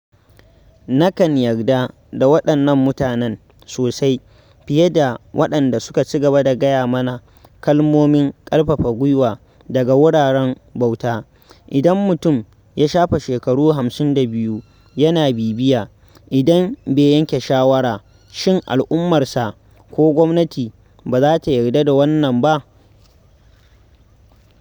Nakan yarda da waɗannan mutanen sosai fiye da waɗanda suka ci gaba da gaya mana kalmomin ƙarfafa gwiwa daga wuraren bauta, inda mutum ya shafe shekaru 52 yana bibiya, idan bai yanke shawara, shin al'ummarsa ko gwamnati ba za ta yarda da wannan ba?